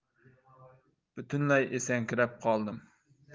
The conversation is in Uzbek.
butunlay esankirab qoldim